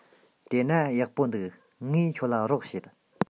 དེ ན ཡག པོ འདུག ངས ཁྱོད ལ རོགས བྱེད